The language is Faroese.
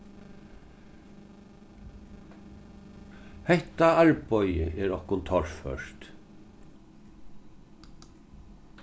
hetta arbeiðið er okkum torført